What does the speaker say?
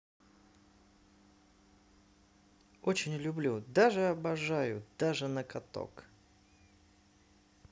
очень люблю даже обожаю даже на каток